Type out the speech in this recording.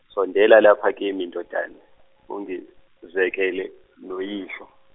sondela lapha kimi ndodana, ungizekele, ngoyihlo.